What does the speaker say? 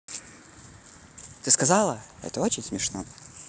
ты сказала это очень смешно